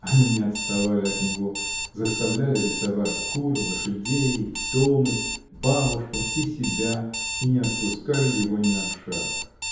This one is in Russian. Они не отставали от него, заставляли рисовать кур, лошадей, домы, бабушку и себя и не отпускали его ни на шаг.